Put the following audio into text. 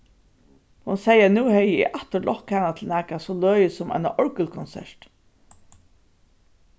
hon segði at nú hevði eg aftur lokkað hana til nakað so løgið sum eina orgulkonsert